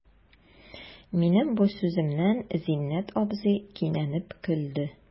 Минем бу сүземнән Зиннәт абзый кинәнеп көлде.